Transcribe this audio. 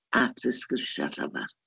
At y sgwrsiau llafar.